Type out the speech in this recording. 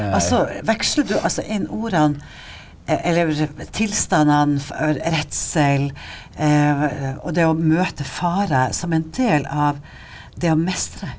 altså veksler du altså inn ordene eller tilstandene for redsel og det å møte farer som en del av det å mestre?